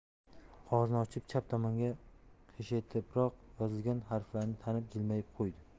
qog'ozni ochib chap tomonga qiyshaytiribroq yozilgan harflarni tanib jilmayib qo'ydi